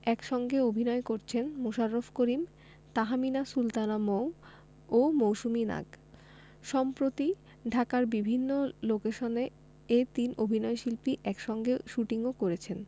একসঙ্গে অভিনয় করছেন মোশাররফ করিম তাহমিনা সুলতানা মৌ ও মৌসুমী নাগ সম্প্রতি ঢাকার বিভিন্ন লোকেশনে এ তিন অভিনয়শিল্পী একসঙ্গে শুটিংও করেছেন